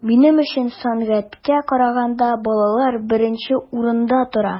Минем өчен сәнгатькә караганда балалар беренче урында тора.